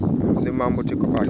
di membre ci COPACEL